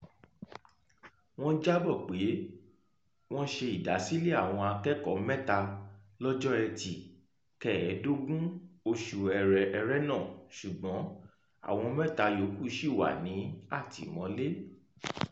Wọ́n jábọ̀ pé wọ́n ṣe ìdásílẹ̀ àwọn akẹ́kọ̀ọ́ mẹ́ta lọ́jọ́ Ẹtì, 15 oṣù Ẹrẹ́nà ṣùgbọ́n àwọn mẹ́ta yòókù ṣì wà ní àtìmọ́lé.